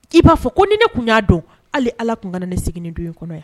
I b'a fɔ ko ni ne tun y'a dɔn hali ala tun ka ne segin ni don in kɔnɔ yan